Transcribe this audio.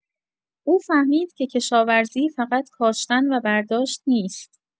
او فهمید که کشاورزی فقط کاشتن و برداشت نیست.